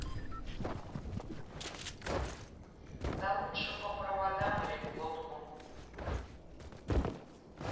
да лучше по проводам или глотку